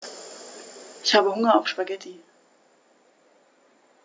Ich habe Hunger auf Spaghetti.